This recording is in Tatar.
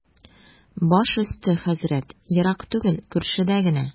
Баш өсте, хәзрәт, ерак түгел, күршедә генә.